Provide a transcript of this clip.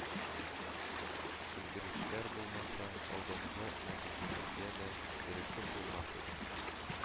Үзгәрешләр булмаса, алдынгы нәтиҗәләргә дә ирешеп булмас иде